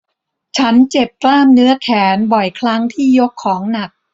ฉันเจ็บกล้ามเนื้อแขนบ่อยครั้งที่ยกของหนัก